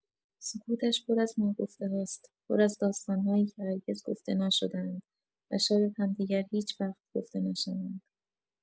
سکوتش پر از ناگفته‌هاست، پر از داستان‌هایی که هرگز گفته نشده‌اند و شاید هم دیگر هیچ‌وقت گفته نشوند.